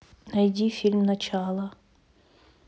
найди фильм начало